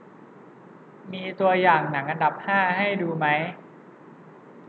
มีตัวอย่างหนังอันดับห้าให้ดูไหม